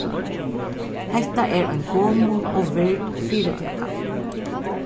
hetta er ein gomul og vird fyritøka